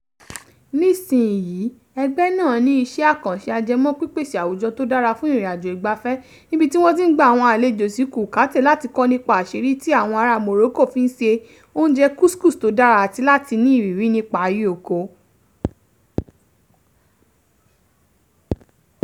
Nísìnyìí, ẹgbẹ́ náà ní iṣẹ́ àkànṣe ajẹmọ́ pípèsè àwùjọ́ tó dárá fún ìrìnàjò ìgbáfẹ́ níbí tí wọ́n tí ń gba àwọn àlejò sí Khoukhate láti kọ́ nípa àṣírí tí àwọn ará Morocco fí n se oúnjẹ Couscous tó dára àti láti ní ìrírí nípa áyé oko.